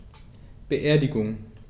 Beerdigung